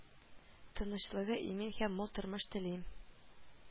Тынычлыгы, имин һәм мул тормыш телим